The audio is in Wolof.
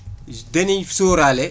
dañuy sóoraale